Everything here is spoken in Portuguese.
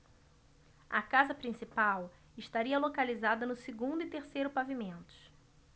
a casa principal estaria localizada no segundo e terceiro pavimentos